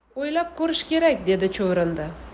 o'ylab ko'rish kerak dedi chuvrindi